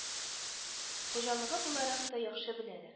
Хуҗалыгы буларак та яхшы беләләр